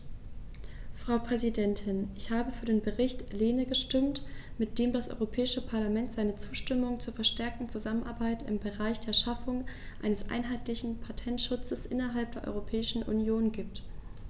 Frau Präsidentin, ich habe für den Bericht Lehne gestimmt, mit dem das Europäische Parlament seine Zustimmung zur verstärkten Zusammenarbeit im Bereich der Schaffung eines einheitlichen Patentschutzes innerhalb der Europäischen Union gibt.